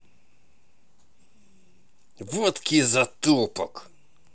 вотки затупок